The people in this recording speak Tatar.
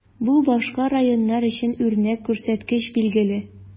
Бу башка районнар өчен үрнәк күрсәткеч, билгеле.